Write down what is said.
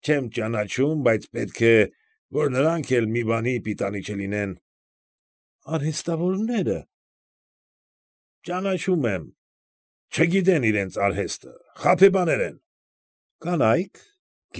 Չեմ ճանաչում, բայց պետք է, որ նրանք էլ մի բանի պիտանի չյինեն։ ֊ Արհեստավորնե՞րը։ ֊ Ճանաչում եմ, չգիտեն իրենց արհեստը, խաբեբաներ են։ ֊ Կանա՞յք։